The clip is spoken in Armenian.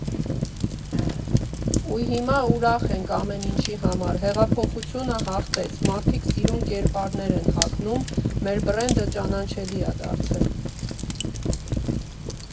Ու հիմա ուրախ ենք ամեն ինչի համար՝ հեղափոխությունը հաղթեց, մարդիկ սիրուն կեպկաներ են հագնում, մեր բրենդը ճանաչելի ա դարձել։